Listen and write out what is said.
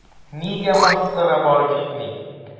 Нигә массага барып җитми?